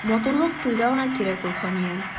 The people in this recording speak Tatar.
Матурлык туйда гына кирәк ул, ханиям.